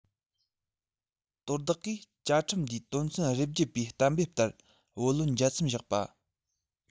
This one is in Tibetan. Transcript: དོ བདག གིས བཅའ ཁྲིམས འདིའི དོན ཚན རེ བརྒྱད པའི གཏན འབེབས ལྟར བུ ལོན འཇལ མཚམས བཞག པ